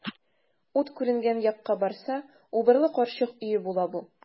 Ут күренгән якка барса, убырлы карчык өе була бу.